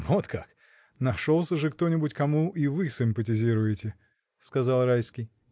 — Вот как: нашелся же кто-нибудь, кому и вы симпатизируете! — сказал Райский.